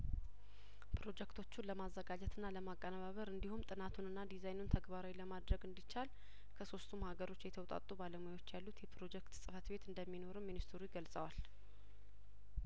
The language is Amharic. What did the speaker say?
ፕሮጀክቶቹን ለማዘጋጀትና ለማቀነባበር እንዲሁም ጥናቱንና ዲዛይኑን ተግባራዊ ለማድረግ እንዲቻል ከሶስቱም ሀገሮች የተወጣጡ ባለሙያዎች ያሉት የፕሮጀክት ጽፈት ቤት እንደሚኖርም ሚኒስትሩ ገልጸዋል